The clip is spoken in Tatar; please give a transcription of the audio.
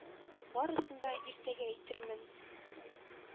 Барысын да иртәгә әйтермен...